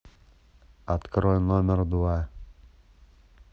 открой номер два